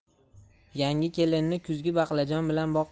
yangi kelinni kuzgi baqlajon bilan